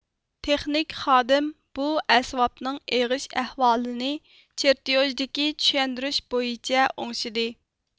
تېخنىك خادىم بۇ ئەسۋابنىڭ ئېغىش ئەھۋالىنى چېرتيوژدىكى چۈشەندۈرۈش بويىچە ئوڭشىدى